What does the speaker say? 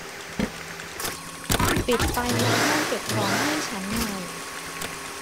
ปิดไฟในห้องเก็บของให้ฉันหน่อย